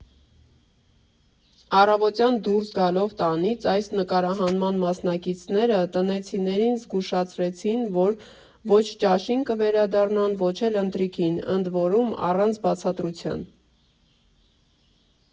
Առավոտյան դուրս գալով տանից՝ այս նկարահանման մասնակիցները տնեցիներին զգուշացրեցին, որ ո՛չ ճաշին կվերադառնան, ո՛չ էլ ընթրիքին, ընդ որում, առանց բացատրության։